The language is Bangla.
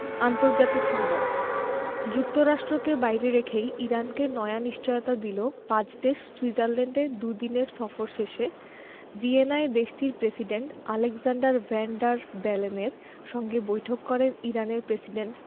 আন্তর্জাতিক সংবাদ যুক্তরাষ্ট্রকে বাইরে রেখেই ইরানকে নয়া নিশ্চয়তা দিল পাঁচ দেশ সুইজারল্যান্ডে দুদিনের সফর শেষে ভিয়েনায় দেশটির প্রেসিডেন্ট আলেক্সান্ডার ভ্যান ডার বেলেনের সঙ্গে বৈঠক করেন ইরানের প্রেসিডেন্ট